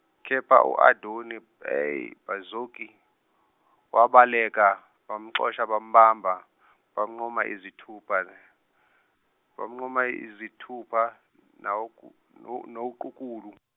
kepha u Adoni by- Bezeki wabaleka bamxosha bambamba bamnquma izithupha re- bamnquma izithupha nawoqu- no- nawoqukula.